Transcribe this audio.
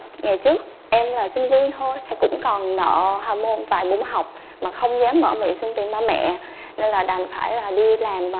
ngày trước em là sinh viên thôi cũng còn nợ môn vài môn học mà không dám mở miệng xin tiền ba mẹ nên là đành phải là đi làm